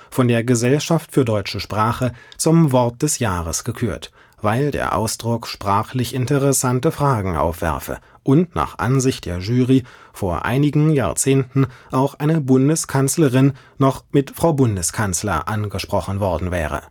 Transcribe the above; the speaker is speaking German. von der Gesellschaft für deutsche Sprache zum Wort des Jahres gekürt, weil der Ausdruck sprachlich interessante Fragen aufwerfe und nach Ansicht der Jury vor einigen Jahrzehnten auch eine Bundeskanzlerin noch mit „ Frau Bundeskanzler “angesprochen worden wäre